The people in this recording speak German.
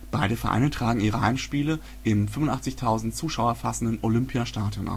Beide Vereine tragen ihre Heimspiele im 85.000 Zuschauer fassenden Olympiastadion